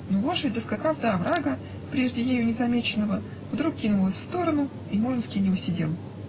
Но лошадь, доскакав до оврага, прежде ею не замеченного, вдруг кинулась в сторону, и Муромский не усидел.